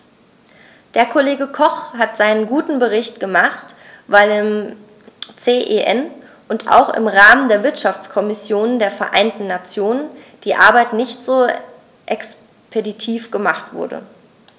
Der Kollege Koch hat seinen guten Bericht gemacht, weil im CEN und auch im Rahmen der Wirtschaftskommission der Vereinten Nationen die Arbeit nicht so expeditiv gemacht wurde.